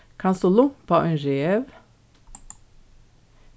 kanst tú lumpa ein rev